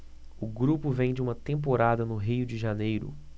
o grupo vem de uma temporada no rio de janeiro